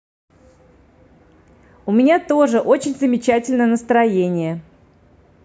у меня тоже очень замечательное настроение